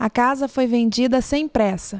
a casa foi vendida sem pressa